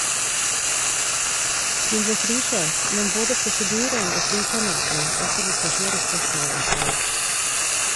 Hun ble frikjent, men både prosedyren og frikjennelsen etterlot seg flere spørsmål enn svar.